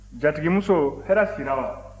jatigimuso hɛrɛ sira wa